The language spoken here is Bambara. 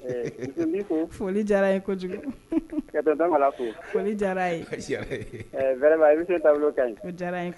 Ɛ N b'i Fo. Foli diyara n ye kojugu. Ka tonton Bala fo. Foli diyara a ye. Vraiment émission taa bolo kaɲi. O diyara an ye.